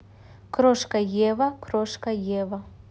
крошка ева крошка ева